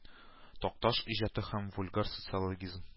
Такташ иҗаты һәм вульгар социологизм